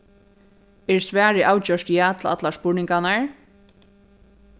er svarið avgjørt ja til allar spurningarnar